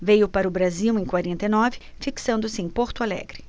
veio para o brasil em quarenta e nove fixando-se em porto alegre